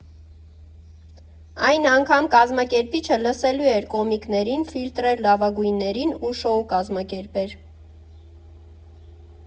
Այս անգամ կազմակերպիչը լսելու էր կոմիկներին, ֆիլտրեր լավագույններին ու շոու կազմակերպեր։